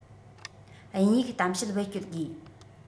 དབྱིན ཡིག གཏམ བཤད བེད སྤྱོད དགོས